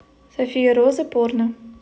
софия роза порно